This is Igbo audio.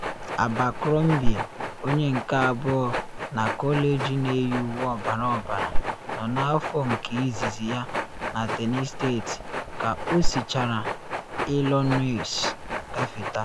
Abercrombie, onye nke abụọ na kọleji na eyi uwe ọbara ọbara, nọ n’afọ nke izizi ya na Tennessee State ka o sichara Illinois gafete.